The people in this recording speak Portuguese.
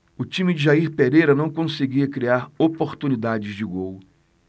o time de jair pereira não conseguia criar oportunidades de gol